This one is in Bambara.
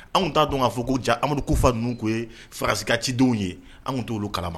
An' kun t'a dɔn k'a fɔ ko ja Amadu Kufa ninnu kun yee France ka cidenw ye an' kun t'olu kalama